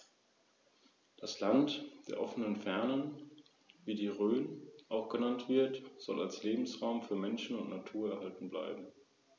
In seiner östlichen Hälfte mischte sich dieser Einfluss mit griechisch-hellenistischen und orientalischen Elementen.